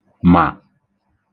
mà